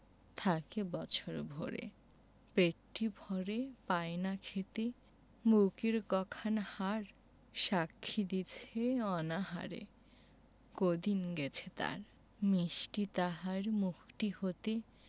থাকে বছর ভরে পেটটি ভরে পায় না খেতে বুকের ক খান হাড় সাক্ষী দিছে অনাহারে কদিন গেছে তার মিষ্টি তাহার মুখটি হতে